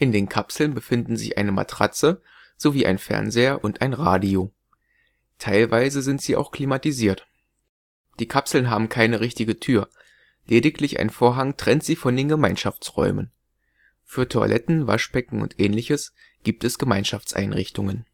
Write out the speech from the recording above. den Kapseln befinden sich eine Matratze sowie ein Fernseher und ein Radio. Teilweise sind sie auch klimatisiert. Die Kapseln haben keine richtige Tür, lediglich ein Vorhang trennt sie von den Gemeinschaftsräumen. Für Toiletten, Waschbecken und ähnliches gibt es Gemeinschaftseinrichtungen